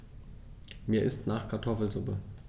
Mir ist nach Kartoffelsuppe.